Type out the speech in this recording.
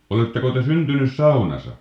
oletteko te syntynyt saunassa